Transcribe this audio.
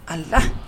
A la